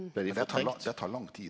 det tar lang tid.